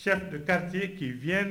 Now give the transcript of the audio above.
Chef de quartier qui vient